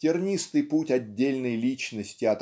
тернистый путь отдельной личности